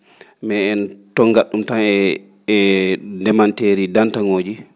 mais en tonngat ?um tan e ndemanteeri danta?ooji